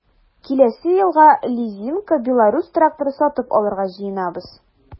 Киләсе елга лизингка “Беларусь” тракторы сатып алырга җыенабыз.